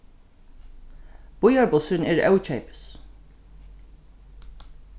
býarbussurin er ókeypis